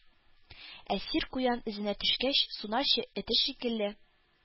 Әсир, куян эзенә төшкән сунарчы эте шикелле,